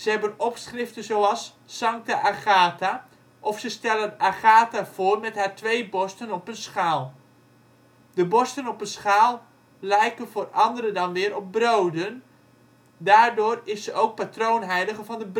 hebben opschriften zoals: " Sancta Agatha " of ze stellen Agatha voor met haar twee borsten op een schaal. De borsten op een schaal lijken voor andere dan weer op broden, daardoor is ze ook patroonheilige van de broodbakkers